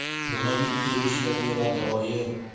nimaga kelishaveradi oyi